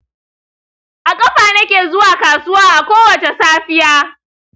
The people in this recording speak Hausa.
a ƙafa nake zuwa kasuwa a kowace safiya.